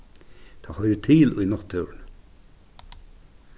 tað hoyrir til í náttúruni